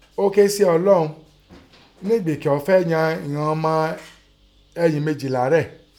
Ọ́ kése Ọlọ́un nígbì kín ọ́ fẹ́yàn an mọ èyìn méjìlá Rẹ̀.